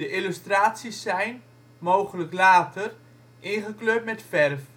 illustraties zijn - mogelijk later - ingekleurd met verf